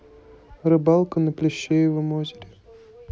рыбалка на плещеевом озере